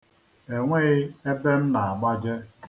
E nweghi ebe m na-agbaje.